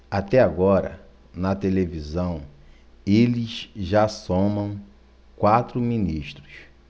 até agora na televisão eles já somam quatro ministros